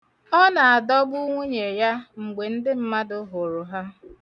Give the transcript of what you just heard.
Ọ na-adọgbu nwunye ya mgbe ndị mmadụ hụrụ ha.